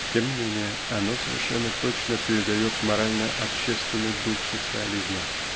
тем не менее оно совершенно точно передает морально-общественный дух социализма.